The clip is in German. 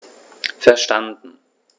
Verstanden.